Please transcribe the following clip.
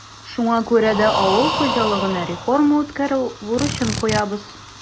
Шуңа күрә дә авыл хуҗалыгына реформа үткәрү бурычын куябыз.